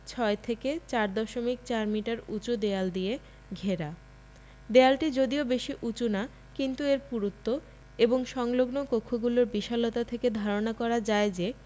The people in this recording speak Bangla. ৬ থেকে ৪ দশমিক ৪ মিটার উঁচু দেয়াল দিয়ে ঘেরা দেয়ালটি যদিও বেশি উঁচু না কিন্তু এর পুরুত্ব এবং সংলগ কক্ষগুলোর বিশালতা থেকে ধারণা করা যায় যে